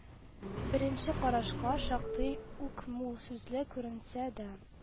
Беренче карашка шактый ук мул сүзле күренсә дә,